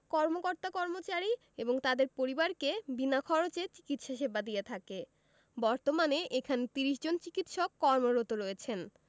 কর্মকর্তাকর্মচারী এবং তাদের পরিবারকে বিনা খরচে চিকিৎসা সেবা দিয়ে থাকে বর্তমানে এখানে ৩০ জন চিকিৎসক কর্মরত রয়েছেন